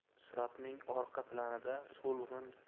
suratning orqa planida so'lg'in